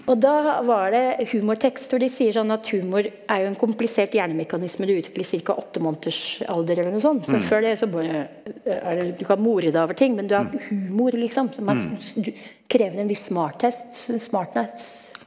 og da var det humortekst hvor de sier sånn at humor er jo en komplisert hjernemekanisme du utvikler ca. åtte måneders alder, eller noe sånn, så før det så bare er det du kan more deg over ting men du har humor liksom som er du krever en hvis smartness.